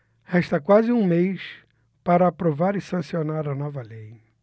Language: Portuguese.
resta quase um mês para aprovar e sancionar a nova lei